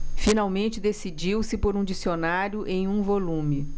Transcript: finalmente decidiu-se por um dicionário em um volume